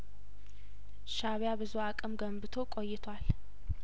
ሻእቢያ ብዙ አቅም ገንብቶ ቆይቷል